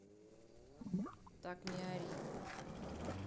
так не ори